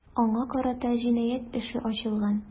Аңа карата җинаять эше ачылган.